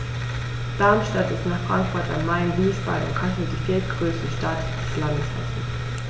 Darmstadt ist nach Frankfurt am Main, Wiesbaden und Kassel die viertgrößte Stadt des Landes Hessen